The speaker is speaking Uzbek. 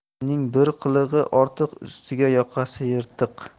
yomonning bir qilig'i ortiq ustiga yoqasi yirtiq